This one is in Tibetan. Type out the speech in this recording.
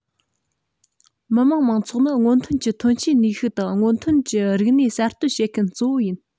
མི དམངས མང ཚོགས ནི སྔོན ཐོན གྱི ཐོན སྐྱེད ནུས ཤུགས དང སྔོན ཐོན གྱི རིག གནས གསར གཏོད བྱེད མཁན གཙོ བོ ཡིན